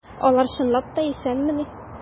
Алар чынлап та исәнмени?